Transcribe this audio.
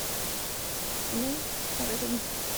For nå er det tomt.